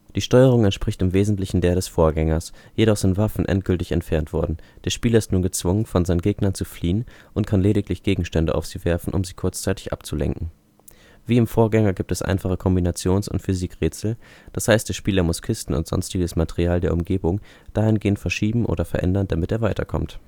Die Steuerung entspricht im Wesentlichen der des Vorgängers. Jedoch sind Waffen endgültig entfernt worden. Der Spieler ist nun gezwungen, vor seinen Gegnern zu fliehen, und kann lediglich Gegenstände auf sie werfen, um sie kurzzeitig abzulenken. Wie im Vorgänger gibt es einfache Kombinations - und Physik-Rätsel, d.h. der Spieler muss Kisten und sonstiges Material der Umgebung dahingehend verschieben oder verändern, damit er weiterkommt